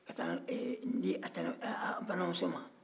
ka taa n di ɛ a tɛnɛn a balima muso ma